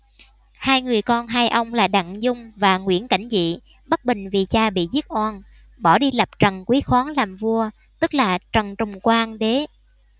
hai người con hai ông là đặng dung và nguyễn cảnh dị bất bình vì cha bị giết oan bỏ đi lập trần quý khoáng làm vua tức là trần trùng quang đế